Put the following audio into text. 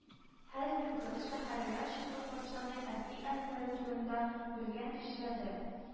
Хәзер кыз, шәһәргә чыгып, патшаның әти-әниләре турында белгән кешеләрдән